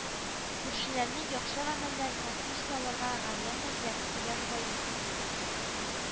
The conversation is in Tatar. Күршеләрнең яхшы гамәлләренә күз салырга гарьләнмәсәк, кояш баесын дип